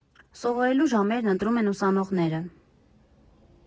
Սովորելու ժամերն ընտրում են ուսանողները։